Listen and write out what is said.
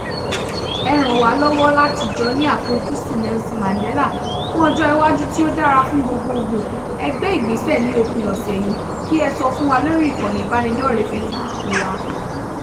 Ẹ ràn wá lọ́wọ́ láti jọ ní àfojúsùn Nelson Mandela fún ọjọ́ iwájú tí ó dára fún gbogbogbò, ẹ gbé ìgbésẹ̀ ní òpin ọ̀sẹ̀ yìí, kí ẹ sì sọ fún wa lórí ìkànnì ìbánidọ́rẹ̀ẹ́ Facebook wá.